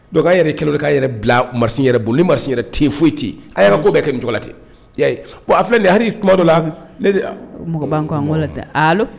Donc an yɛrɛ kɛlen don kan yɛrɛ bila machine yɛrɛ bolo ni machine yɛrɛ te yen foyi te yen . An yan ka ko bɛɛ kɛ ni cogo la ten . I ya ye ?. Wa a filɛ hali tuma dɔ la ne be yan Mɔgɔ ban kɔ an ko ta alo?